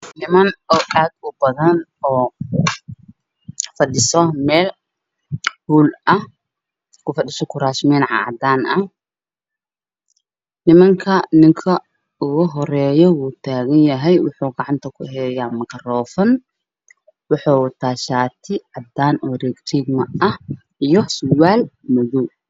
Waa niman aad u faro badan oo fadhiso meel hool ah oo kufadhiso kuraasman cadaan ah, ninka ugu soo horeeyo uu taagan yahay waxuu wadaa makaroofan waxuu wataa shaati cadaan ah oo riigriigmo leh iyo surwaal madow ah.